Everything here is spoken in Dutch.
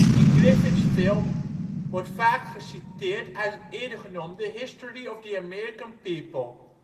In Griffiths film wordt vaak geciteerd uit het eerder genoemde History of the American People